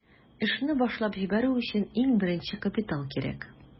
Эшне башлап җибәрү өчен иң беренче капитал кирәк.